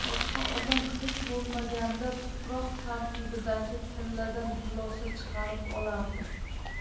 boshqa odam hech bo'lmaganda tuproq tarkibidagi tilladan xulosa chiqarib olardi